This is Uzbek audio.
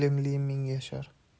ilmli ming yashar